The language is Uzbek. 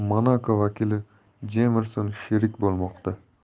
vakili jemerson sherik bo'lmoqda